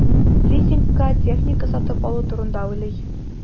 Лизингка техника сатып алу турында уйлый.